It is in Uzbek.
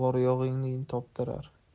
bor yo'g'ingni toptirar